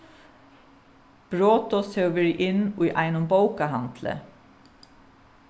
brotist hevur verið inn í einum bókahandli